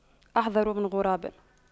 أحذر من غراب